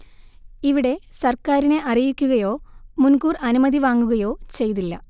ഇവിടെ സർക്കാരിനെ അറിയിക്കുകയോ മുൻകൂർ അനുമതി വാങ്ങുകയോ ചെയ്തില്ല